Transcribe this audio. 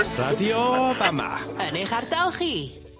'ma. Yn eich ardal chi.